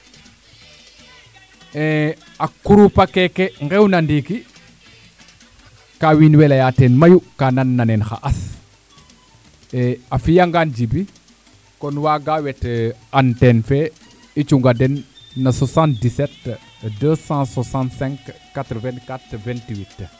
a groupe a keeke ngew na ndiiki kaa wiin we leaya teen mayu ka nan nena xa as a fiya ngaan Djiby kon waaga wet antenne fe i cunga den no 772658428